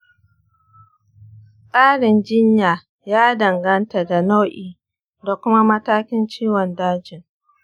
tsarin jinya ya danganta da nau'i da kuma matakin ciwon dajin.